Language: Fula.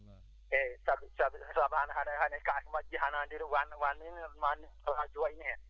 eeyi sabu miijotoɗa an haade kake majji hana *